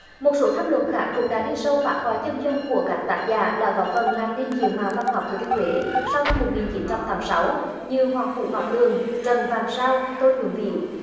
một số tham luận khác cũng đã đi sâu phác họa chân dung của các tác giả đã góp phần làm nên diện mạo văn học thừa thiên huế sau năm một nghìn chín trăm tám sáu như hoàng phủ ngọc tường trần vàng sao tôi nhường vị